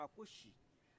a ko si